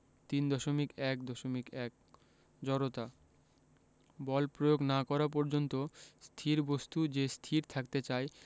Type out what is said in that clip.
৩.১.১ জড়তা বল প্রয়োগ না করা পর্যন্ত স্থির বস্তু যে স্থির থাকতে চায়